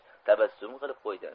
tabassum qilib qo'ydi